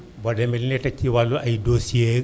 boo demee li lay fekk ci wàllu ay dossiers